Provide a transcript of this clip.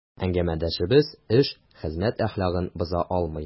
Әңгәмәдәшебез эш, хезмәт әхлагын боза алмый.